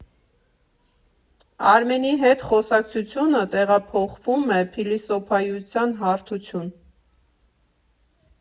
Արմենի հետ խոսակցությունը տեղափոխվում է փիլիսոփայության հարթություն.